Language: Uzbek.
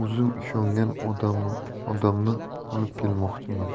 o'zim ishongan odamni olib kelmoqchiman